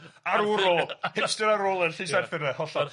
Arwrol Hipster arwrol yn llys Arthur yna, hollol.